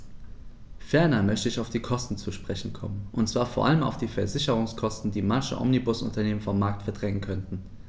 Ferner möchte ich auf die Kosten zu sprechen kommen, und zwar vor allem auf die Versicherungskosten, die manche Omnibusunternehmen vom Markt verdrängen könnten.